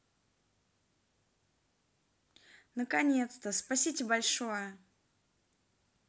наконец то спасите большое